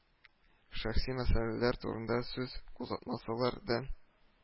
Шәхси мәсьәләләр турында сүз кузгатмасалар да